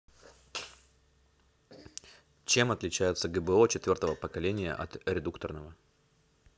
чем отличается гбо четвертого поколения от редукторного